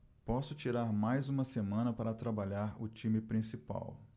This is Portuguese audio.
posso tirar mais uma semana para trabalhar o time principal